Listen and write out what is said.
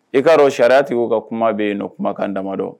I k'a dɔn sariya tɛ'o ka kuma bɛ yen nɔ kumakan damadɔ